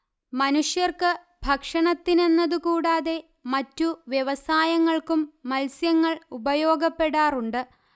മനുഷ്യർക്ക് ഭക്ഷണത്തിനെന്നതുകൂടാതെ മറ്റു വ്യവസായങ്ങൾക്കും മത്സ്യങ്ങൾ ഉപയോഗപ്പെടാറുണ്ട്